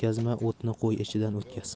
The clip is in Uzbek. o'tni qo'y ichidan o'tkaz